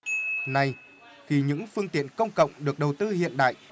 nay khi những phương tiện công cộng được đầu tư hiện đại